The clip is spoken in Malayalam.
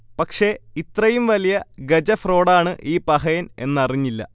പക്ഷേ ഇത്രയും വലിയ ഗജഫ്രോഡാണ് ഈ പഹയൻ എന്നറിഞ്ഞില്ല